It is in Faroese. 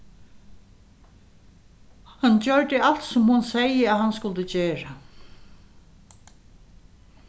hann gjørdi alt sum hon segði at hann skuldi gera